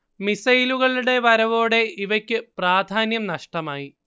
മിസൈലുകളുടെ വരവോടെ ഇവയ്ക്കു പ്രാധാന്യം നഷ്ടമായി